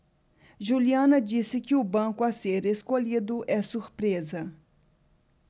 juliana disse que o banco a ser escolhido é surpresa